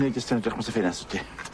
Ne' jyst yn edrych mas y ffenest w't ti?